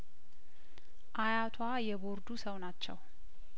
አያቷ የቦርዶ ሰው ናቸው